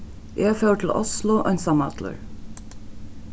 eg fór til oslo einsamallur